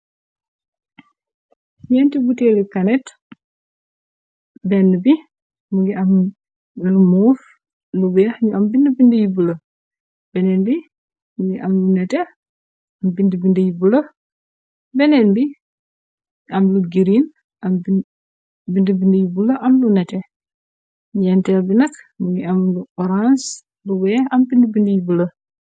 ñeente buteelu kanet benn bi mu ngi am lu moof lu weex ñu am bind-bind yi bu lë benneen bi ngi am lu nete mbdd b been am lu girin bind bind yi bu la am lu nete ñeentel bi nak mu ngi am lu orange lu weex am bind bind yi bulë